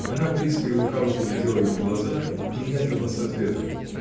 Она близко и лукаво поглядела ему в глаза и медлила ответом.